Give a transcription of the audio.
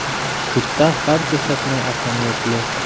Судта һәр күрсәтмә әһәмиятле.